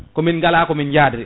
komin gala komin jaadiri